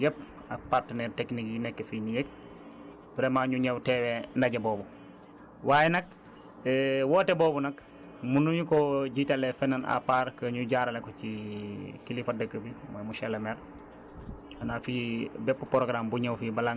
te ñu ngi ciy woo vraiment suñu mbokku béykat yi yépp ak partenaires techniques yi nekk fii nii yépp vraiment ñu ñëw teewee ndaje boobu waaye nag woote boobu nag mënuñu koo jiitalee feneen à part que ñu jaarale ko ci kilifa dëkk bi moom monsieur le maire